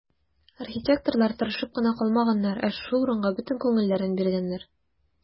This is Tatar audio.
Архитекторлар тырышып кына калмаганнар, ә шушы урынга бөтен күңелләрен биргәннәр.